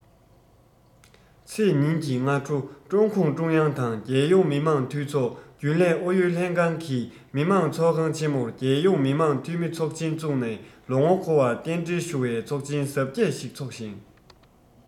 ཚེས ཉིན གྱི སྔ དྲོ ཀྲུང གུང ཀྲུང དབྱང དང རྒྱལ ཡོངས མི དམངས འཐུས ཚོགས རྒྱུན ལས ཨུ ཡོན ལྷན ཁང གིས མི དམངས ཚོགས ཁང ཆེ མོར རྒྱལ ཡོངས མི དམངས འཐུས མི ཚོགས ཆེན བཙུགས ནས ལོ ངོ འཁོར བར རྟེན འབྲེལ ཞུ བའི ཚོགས ཆེན གཟབ རྒྱས ཤིག འཚོགས ཤིང